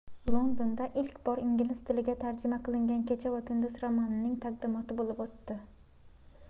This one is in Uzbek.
londonda ilk bor ingliz tiliga tarjima qilingan kecha va kunduz romanining taqdimoti bo'lib o'tdi